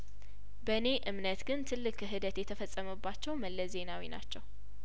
በእኔ እምነት ግን ትልቅ ክህደት የተፈጸመባቸው መለስ ዜናዊ ናቸው